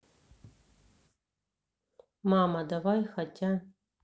мама давай хотя